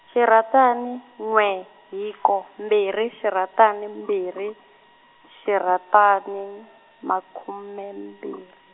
xirhatani, n'we hiko mbirhi xirhatani mbirhi, xirhatani , makhume mbhiri.